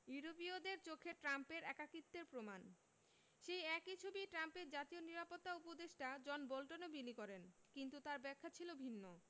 ইউরোপীয়দের চোখে ট্রাম্পের একাকিত্বের প্রমাণ সেই একই ছবি ট্রাম্পের জাতীয় নিরাপত্তা উপদেষ্টা জন বোল্টনও বিলি করেন কিন্তু তাঁর ব্যাখ্যা ছিল ভিন্ন